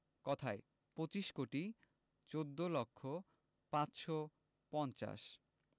কথায়ঃ পঁচিশ কোটি চৌদ্দ লক্ষ পাঁচশো পঞ্চাশ